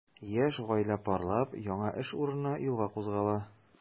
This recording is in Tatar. Яшь гаилә парлап яңа эш урынына юлга кузгала.